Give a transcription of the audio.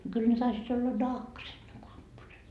no kyllä ne taisivat olla nahkaiset ne kurpposet